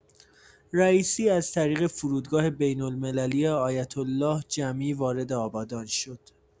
رئیسی از طریق فرودگاه بین‌المللی آیت‌الله جمی وارد آبادان شد.